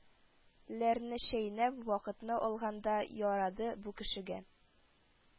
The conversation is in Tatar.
Ләрне чәйнәп вакытны алганда ярады бу кешегә